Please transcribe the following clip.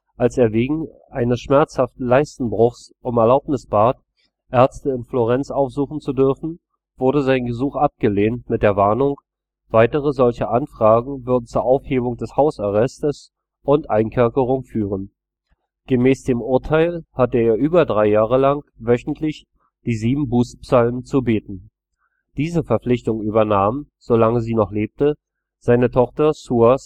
Als er wegen eines schmerzhaften Leistenbruchs um Erlaubnis bat, Ärzte in Florenz aufsuchen zu dürfen, wurde sein Gesuch abgelehnt mit der Warnung, weitere solche Anfragen würden zu Aufhebung des Hausarrestes und Einkerkerung führen. Gemäß dem Urteil hatte er über drei Jahre lang wöchentlich die sieben Bußpsalmen zu beten; diese Verpflichtung übernahm – solange sie noch lebte – seine Tochter Suor Celeste